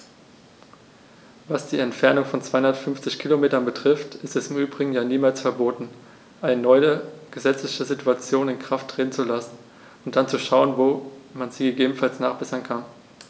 Was die Entfernung von 250 Kilometern betrifft, ist es im Übrigen ja niemals verboten, eine neue gesetzliche Situation in Kraft treten zu lassen und dann zu schauen, wo man sie gegebenenfalls nachbessern kann.